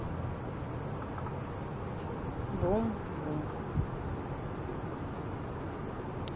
бум бум